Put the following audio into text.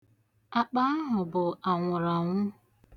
Akpa ahụ bụ anwụraanwụ.